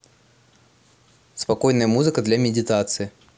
спокойная музыка для медитации